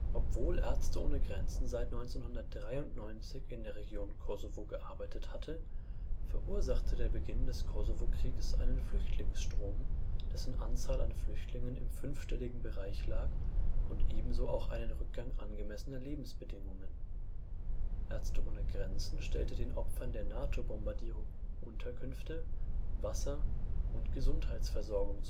Obwohl Ärzte ohne Grenzen seit 1993 in der Region Kosovo gearbeitet hatte, verursachte der Beginn des Kosovo-Krieges einen Flüchtlingsstrom, dessen Anzahl an Flüchtlingen im fünfstelligen Bereich lag und ebenso auch einen Rückgang angemessener Lebensbedingungen. Ärzte ohne Grenzen stellte den Opfern der NATO-Bombardierung Unterkünfte, Wasser und Gesundheitsversorgung